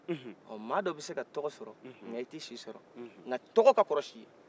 hon mɔgɔ dɔn bɛ se ka tɔgɔ sɔrɔ nka i tɛ si sɔrɔ nka tɔgɔ ka kɔrɔ ka ni si ye